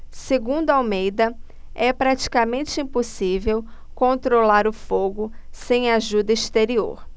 segundo almeida é praticamente impossível controlar o fogo sem ajuda exterior